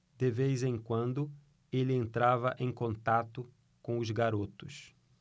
de vez em quando ele entrava em contato com os garotos